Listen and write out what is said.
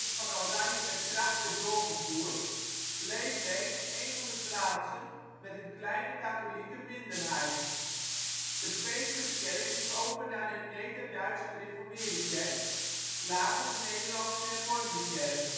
van Oranje met kracht werd doorgevoerd, bleef Leens een van de plaatsen met een kleine katholieke minderheid. De Petruskerk ging over naar de Nederduits Gereformeerde Kerk (later de Nederlandse Hervormde Kerk